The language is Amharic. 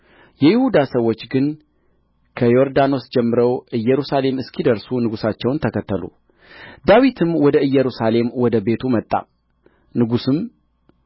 የይሁዳ ሰዎች ግን ከዮርዳኖስ ጀምረው ኢየሩሳሌም እስኪደርሱ ንጉሣቸውን ተከተሉ ዳዊትም ወደ ኢየሩሳሌም ወደ ቤቱ መጣ ንጉሡም